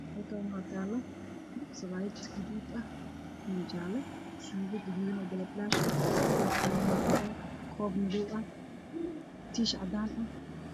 Halkan wax yaalo sabaayad wax ag yaalo maraq iyo koob madow tiish